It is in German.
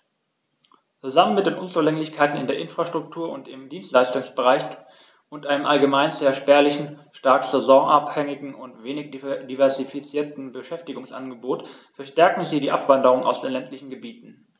Zusammen mit den Unzulänglichkeiten in der Infrastruktur und im Dienstleistungsbereich und einem allgemein sehr spärlichen, stark saisonabhängigen und wenig diversifizierten Beschäftigungsangebot verstärken sie die Abwanderung aus den ländlichen Gebieten.